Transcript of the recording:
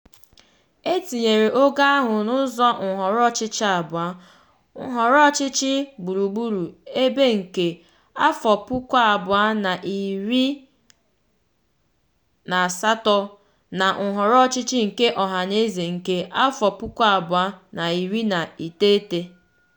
E tinyere ogo ahụ na ụzọ nhọrọ ọchịchị abụọ ---nhọrọ ọchịchị gburugburu ebe nke 2018 na nhọrọ ọchịchị nke ọhanaeze nke 2019.